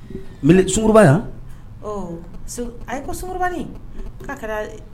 Mile, sunkuruba yan, o ayi, ko sunkurubanin, k'a kɛra